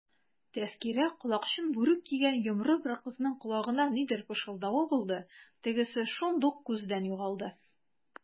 Тәзкирә колакчын бүрек кигән йомры бер кызның колагына нидер пышылдавы булды, тегесе шундук күздән югалды.